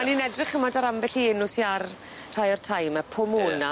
O'n i'n edrych ch'mod ar ambell i enw sy ar rhai o'r tai 'ma Pomona.